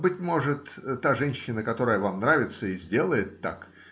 Быть может, та женщина, которая вам нравится, и сделает так.